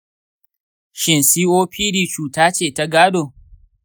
shin copd cuta ce ta gado?